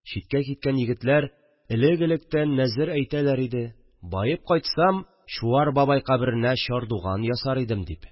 Читкә киткән егетләр элек-электән нәзер әйтәләр иде: баеп кайтсам, Чуар бабай каберенә чардуган ясар идем, дип